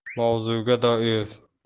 mavzuga doir